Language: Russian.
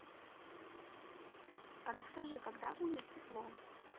расскажи когда будет тепло